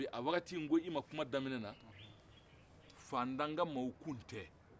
n ko ima kuma daminɛ na faantanw ka mɔgɔw tun tɛ